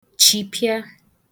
chìpịa